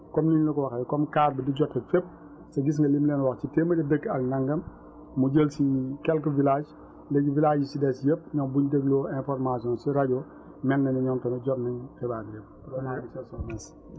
comme niñ la ko waxee comme cas bi du jotee fépp te gis nga liñ leen wax si téeméeri dëkk ak nangam mu jël si quelques village léegi villages yu si des yépp ñoom bu ñu dégloo information si rajo mel na ne ñoom tamit jot nañ xibaar yi yépp